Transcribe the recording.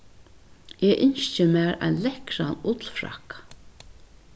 eg ynski mær ein lekkran ullfrakka